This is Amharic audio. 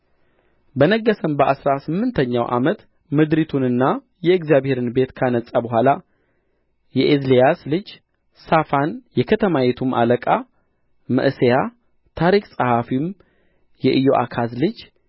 በነገሠም በአሥራ ስምንተኛው ዓመት ምድሪቱንና የእግዚአብሔርን ቤት ካነጻ በኋላ የኤዜልያስ ልጅ ሳፋን የከተማይቱም አለቃ መዕሤያ ታሪክ ጸሐፊም የኢዮአካዝ ልጅ